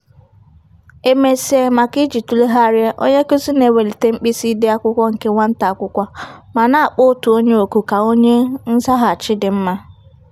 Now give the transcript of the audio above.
E mesịa, maka iji tụlegharịa, onye nkụzi na-ewelite mkpịsị ide akwụkwọ nke nwata akwụkwọ ma na-akpọ otu onye òkù ka onye nzaghachi dị mma.